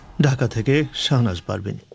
ঢাকা থেকে শাহনাজ পারভীন